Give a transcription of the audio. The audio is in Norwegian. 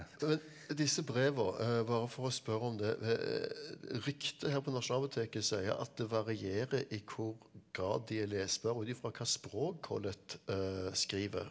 men disse breva bare for å spørre om det ryktet her på Nasjonalbiblioteket sier at det varierer i hvor grad de er lesbare ut ifra hva språk Collett skriver.